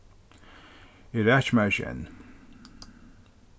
eg raki mær ikki enn